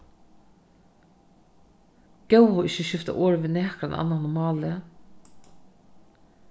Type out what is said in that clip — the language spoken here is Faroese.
góða ikki skifta orð við nakran annan um málið